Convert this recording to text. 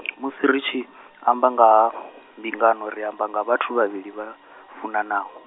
musi ri, tshi amba nga ha, mbingano ri amba nga vhathu vha vhili vha, funanaho.